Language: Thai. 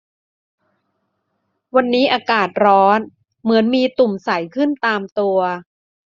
วันนี้อากาศร้อนเหมือนมีตุ่มใสขึ้นตามตัว